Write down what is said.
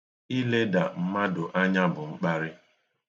Ileda mmadụ anya bụ mkparị.